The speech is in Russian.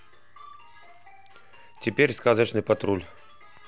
теперь сказочный патруль